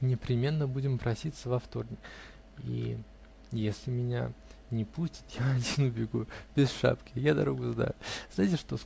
-- Непременно будем проситься во вторник, и если меня не пустят, я один убегу -- без шапки. Я дорогу знаю. -- Знаете что?